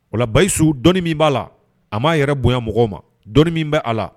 O la Bayisu dɔnnin min b'a la a m'a yɛrɛ bonya mɔgɔ ma, dɔnni min bɛ a la